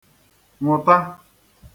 nwụ̀ta